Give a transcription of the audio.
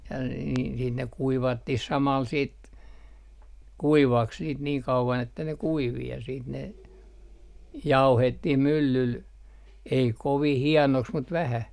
ja -- niin ne kuivattiin samalla sitten kuivaksi niitä niin kauan että ne kuivui ja sitten ne vaihdettiin myllyllä ei kovin hienoksi mutta vähän